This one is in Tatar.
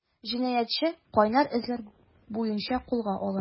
Җинаятьче “кайнар эзләр” буенча кулга алына.